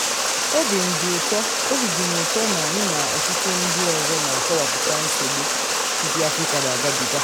Obi dị m ụtọ na anyị na ọtụtụ ndị ọzọ na-akọwapụta nsogbu ndị Afrịka na-agabịga ịnweta visa ndị ọdịdaanyanwụ.